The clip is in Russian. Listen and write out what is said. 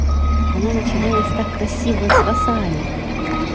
она начиналась так красиво с басами